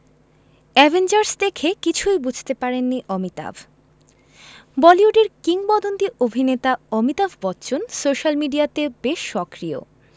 Avengers দেখে কিছুই বুঝতে পারেননি অমিতাভ বলিউডের কিংবদন্তী অভিনেতা অমিতাভ বচ্চন সোশ্যাল মিডিয়াতে বেশ সক্রিয়